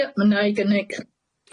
Ie ma na i gynnig.